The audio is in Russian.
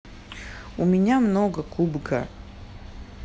у меня много кубка